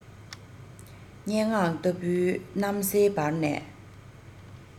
སྙན ངག ལྟ བུའི གནམ སའི བར ནས